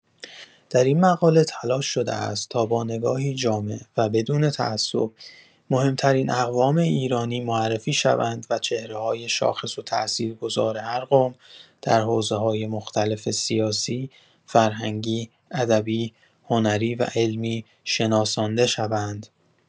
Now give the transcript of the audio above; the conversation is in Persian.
در این مقاله تلاش شده است تا با نگاهی جامع و بدون تعصب، مهم‌ترین اقوام ایرانی معرفی شوند و چهره‌های شاخص و تأثیرگذار هر قوم در حوزه‌های مختلف سیاسی، فرهنگی، ادبی، هنری و علمی شناسانده شوند.